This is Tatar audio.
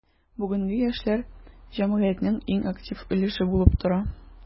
Бүгенге яшьләр – җәмгыятьнең иң актив өлеше булып тора.